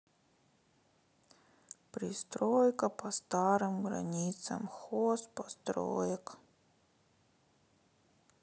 пристройка по старым границам хоз построек